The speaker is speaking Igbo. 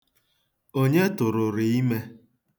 Onye tụrụrụ ime?